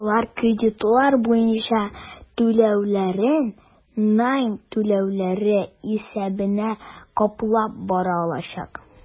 Алар кредитлар буенча түләүләрен найм түләүләре исәбенә каплап бара алачак.